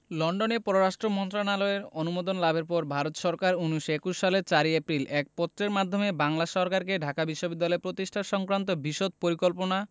লন্ডনে পররাষ্ট্র মন্ত্রণালয়ের অনুমোদন লাভের পর ভারত সরকার ১৯২১ সালের ৪ এপ্রিল এক পত্রের মাধ্যমে বাংলা সরকারকে ঢাকায় বিশ্ববিদ্যালয় প্রতিষ্ঠা সংক্রান্ত বিশদ পরিকল্পনা